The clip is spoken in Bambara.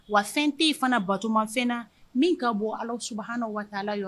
Wa fɛn tɛ fana batomafɛnna min ka bɔ ala su hauna wa ala yɔrɔ